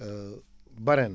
bare na